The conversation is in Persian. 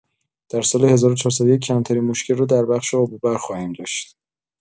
در سال ۱۴۰۱ کمترین مشکل را در بخش آب و برق خواهیم داشت.